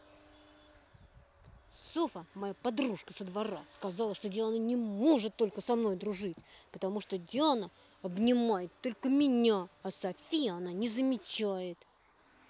sopha моя подружка со двора сказала что диана не может только со мной дружить потому что diana обнимает только меня а софи она не замечает